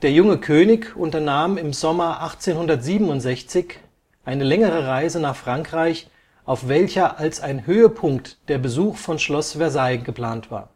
junge König unternahm im Sommer 1867 eine längere Reise nach Frankreich, auf welcher als ein Höhepunkt der Besuch von Schloss Versailles geplant war